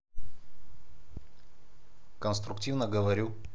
конструктивно говорю